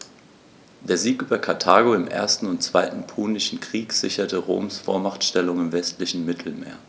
Der Sieg über Karthago im 1. und 2. Punischen Krieg sicherte Roms Vormachtstellung im westlichen Mittelmeer.